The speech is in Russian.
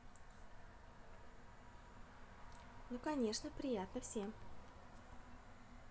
ну конечно приятно всем